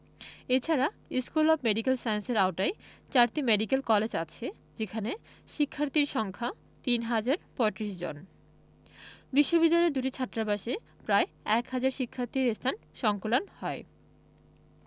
এছাড়া school of medical সায়েন্সের আওতায় চারটি মেডিক্যাল কলেজ আছে যেখানে শিক্ষার্থীর সংখ্যা ৩ হাজার ৩৫ জন বিশ্ববিদ্যালয়ের দুটি ছাত্রাবাসে প্রায় এক হাজার শিক্ষার্থীর স্থান সংকুলান হয়